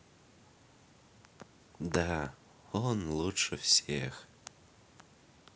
да он лучше всех